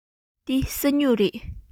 འདི ས སྨྱུག རེད